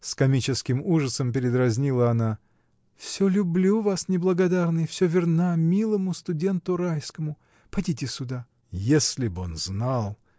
— с комическим ужасом передразнила она, — всё люблю вас, неблагодарный, всё верна милому студенту Райскому. Подите сюда! — Если б он знал!